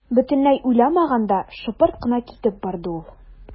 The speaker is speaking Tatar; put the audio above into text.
Бөтенләй уйламаганда шыпырт кына китеп барды ул.